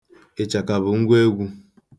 Ịchaka bụ ngwa egwu.